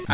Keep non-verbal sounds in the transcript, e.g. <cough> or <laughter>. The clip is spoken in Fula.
<hesitation> <hesitation>